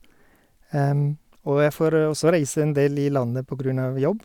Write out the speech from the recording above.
Og jeg får også reise en del i landet på grunn av jobb.